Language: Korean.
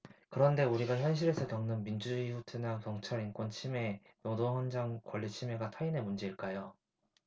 그런데 우리가 현실에서 겪는 민주주의 후퇴나 경찰 인권침해 노동현장의 권리침해가 타인의 문제일까요